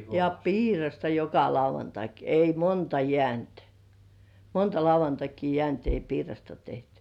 ja piirasta joka lauantai ei monta jäänyt monta lauantaita jäänyt ei piirasta tehty